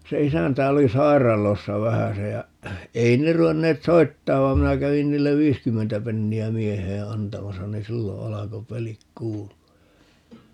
se isäntä oli sairaalloisena vähäsen ja ei ne ruvenneet soittamaan vaan minä kävin niille viisikymmentä penniä mieheen antamassa niin silloin alkoi pelit kuulua